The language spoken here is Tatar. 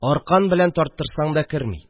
Аркан белән тарттырсаң да керми